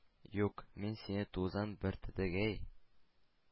Юк, мин сине тузан бөртегедәй